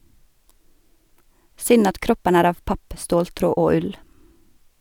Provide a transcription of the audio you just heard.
Synd at kroppen er av papp, ståltråd og ull.